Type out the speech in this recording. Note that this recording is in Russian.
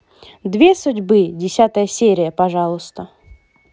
две судьбы десятая серия пожалуйста